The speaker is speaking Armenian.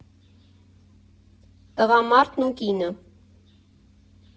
Տղամարդն ու կինը։